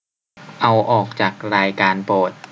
เอาออกจากรายการโปรด